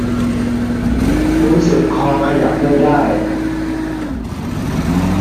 รู้สึกคอขยับไม่ได้